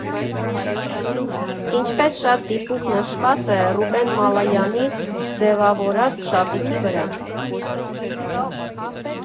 Ինչպես շատ դիպուկ նշված է Ռուբեն Մալայանի ձևավորած շապիկի վրա։